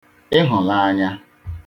ịhụ̀laanya